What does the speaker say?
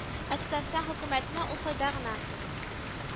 Ә Татарстан хөкүмәтенә ул файда гына